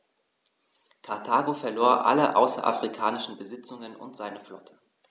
Karthago verlor alle außerafrikanischen Besitzungen und seine Flotte.